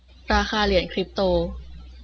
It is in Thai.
ราคาเหรียญคริปโต